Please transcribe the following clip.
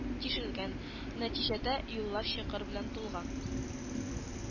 Тишелгән, нәтиҗәдә, юллар чокыр белән тулган